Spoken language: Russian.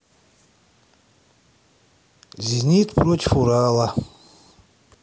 зенит против урала